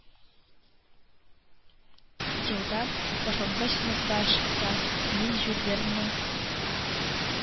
Елда, башлангыч сыйныфта чакта, мин жюль вернның